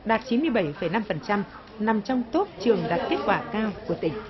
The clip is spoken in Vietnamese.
đạt chín mươi bảy phẩy năm phần trăm nằm trong tốp trường đạt kết quả cao của tỉnh